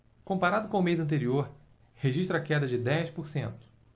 comparado com o mês anterior registra queda de dez por cento